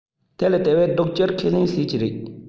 དེ ལ དེ བས ལྡོག སྐྱེལ ཁས ལེན བྱེད ཀྱི ཡོད